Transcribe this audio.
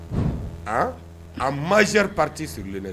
Aa a mari pati siri dɛ